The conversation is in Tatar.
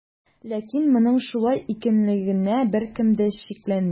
Ләкин моның шулай икәнлегенә беркем дә шикләнми.